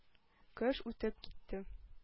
Кыш үтеп китте.